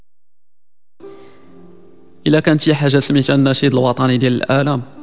اذا كنتي حاجه ميسي النشيد الوطني